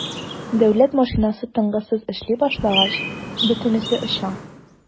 Дәүләт машинасы тынгысыз эшли башлагач - бөтенесе оча.